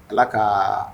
Tila ka